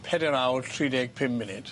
Peder awr tri deg pum munud.